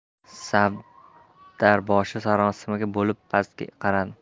savdarboshi sarosima bo'lib pastga qaradi